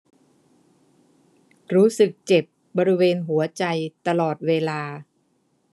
รู้สึกเจ็บบริเวณหัวใจตลอดเวลา